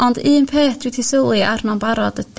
ond un peth dwi di sylwi arno'n barod